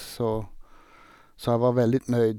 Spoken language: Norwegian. så Så jeg var veldig nöjd.